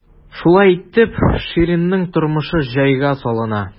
Шулай итеп, Ширинның тормышы җайга салына.